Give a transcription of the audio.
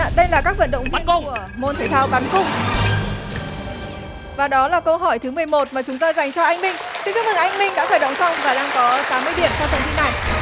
đây là các vận động của môn thể thao bắn cung và đó là câu hỏi thứ mười một mà chúng tôi dành cho anh minh xin chúc mừng anh minh đã khởi động xong và đang có tám mươi điểm trong phần thi